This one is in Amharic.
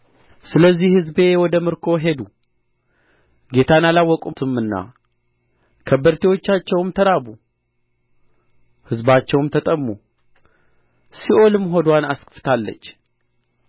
ስለዚህ ሕዝቤ ወደ ምርኮ ሄዱ ጌታን አላወቁትምና ከበርቴዎቻቸውም ተራቡ ሕዝባቸውም ተጠሙ ሲኦልም ሆድዋን አስፍታለች